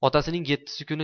otasining yettisi kuni